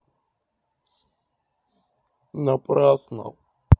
напрасно